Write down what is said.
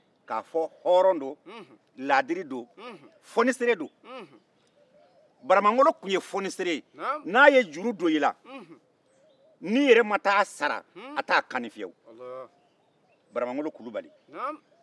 k'a fɔ hɔrɔn don laadiri don foniseere don buramangolo tun ye foniseere ye n'a ye juru don i la n'i yɛrɛ ma taa a sara a t'a kanni i la baramangolo kulubali